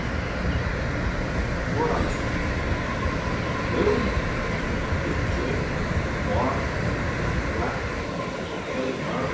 orðalisti nøvn ikki uppá math keypa